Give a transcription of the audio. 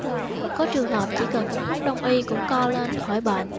có trường hợp chỉ cần uống thuốc đông y cũng co lên khỏi bệnh